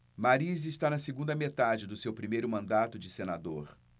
mariz está na segunda metade do seu primeiro mandato de senador